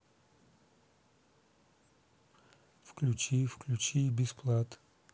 включи включи бесплат